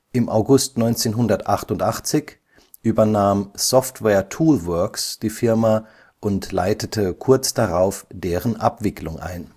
Im August 1988 übernahm Software Toolworks die Firma und leitete kurz darauf deren Abwicklung ein